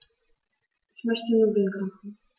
Ich möchte Nudeln kochen.